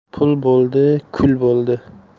pul bo'ldi kul bo'ldi